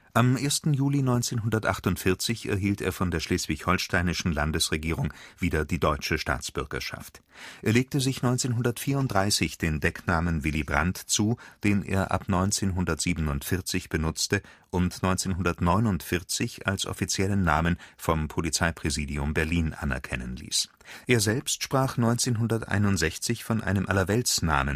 Am 1. Juli 1948 erhielt er von der schleswig-holsteinischen Landesregierung wieder die deutsche Staatsbürgerschaft. Er legte sich 1934 den Decknamen Willy Brandt zu, den er ab 1947 benutzte und 1949 als offiziellen Namen vom Polizeipräsidium Berlin anerkennen ließ. Er selbst sprach 1961 von einem Allerweltsnamen